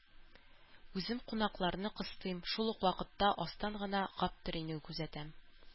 Үзем кунакларны кыстыйм, шул ук вакытта астан гына Гаптерине күзәтәм.